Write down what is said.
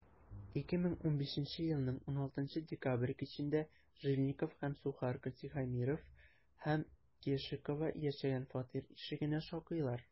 2015 елның 16 декабрь кичендә жильников һәм сухарко тихомиров һәм кешикова яшәгән фатир ишегенә шакыйлар.